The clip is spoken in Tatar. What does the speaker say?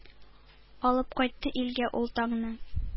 Алып кайтты илгә ул таңны,